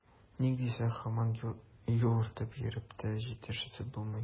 Ник дисәң, һаман юыртып йөреп тә җитешеп булмый.